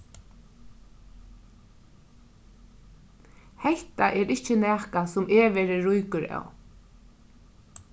hetta er ikki nakað sum eg verði ríkur av